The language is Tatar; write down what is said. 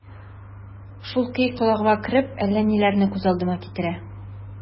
Шул көй колагыма кереп, әллә ниләрне күз алдыма китерә...